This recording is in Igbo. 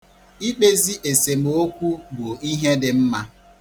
Ikpezi esomokwu bụ ihe dị mma.